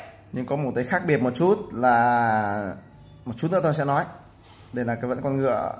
nhưng có một khác biệt một chút là một chút nữa tôi sẽ nói đây là con ngựa